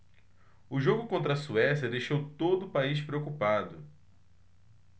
o jogo contra a suécia deixou todo o país preocupado